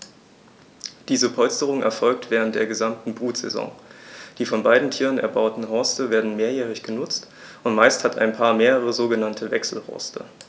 Diese Polsterung erfolgt während der gesamten Brutsaison. Die von beiden Tieren erbauten Horste werden mehrjährig benutzt, und meist hat ein Paar mehrere sogenannte Wechselhorste.